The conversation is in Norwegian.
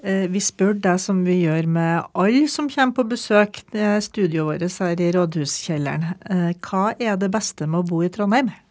vi spør deg som vi gjør med alle som kommer på besøk til studioet vårt her i rådhuskjelleren, hva er det beste med å bo i Trondheim?